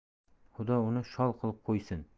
xudo uni shol qilib qo'ysin